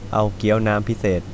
เอาเกี้ยวน้ำพิเศษ